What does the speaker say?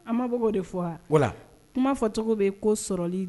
An ma bɔ k'o de fɔ wa, voila kuma fɔcogɔ bɛ ko sɔrɔli